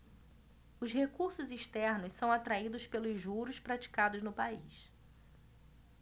os recursos externos são atraídos pelos juros praticados no país